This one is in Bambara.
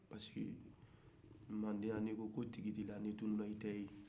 parce que mande yan ni'i ko ko tigi t'i la ni'i tununa i te ye